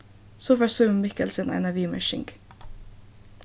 so fær símun mikkelsen eina viðmerking